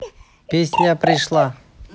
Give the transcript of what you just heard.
песня пришла